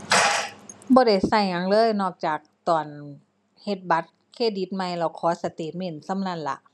บ่ได้ใช้หยังเลย นอกจากตอนเฮ็ดบัตรเครดิตใหม่แล้วขอสเตตเมนต์ส่ำนั้นล่ะ